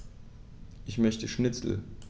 Ich möchte Schnitzel.